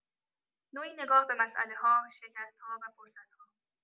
نوعی نگاه به مسئله‌ها، شکست‌ها و فرصت‌ها.